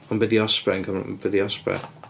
Ond be' 'di osprey yn cymra- be' 'di osprey?